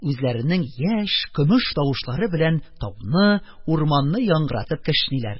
Үзләренең яшь, көмеш тавышлары белән тауны, урманны яңгыратып кешниләр.